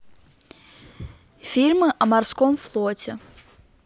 фильмы о морском флоте